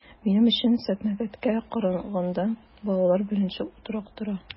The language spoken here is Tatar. Минем өчен сәнгатькә караганда балалар беренче урында тора.